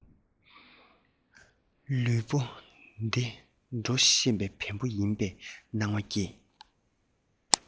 ལུས པོ འདི འགྲོ ཤེས པའི བེམ པོ ཡིན པའི སྣང བ སྐྱེས